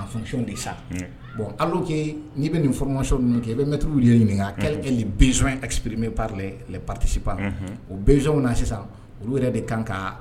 Nin bɛ ɲininkasonpritesi o bɛw na sisan olu yɛrɛ de kan ka